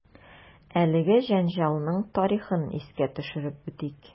Әлеге җәнҗалның тарихын искә төшереп үтик.